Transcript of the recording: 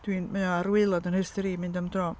Dwi'n... Mae o ar waelod 'yn rhestr i, mynd am dro.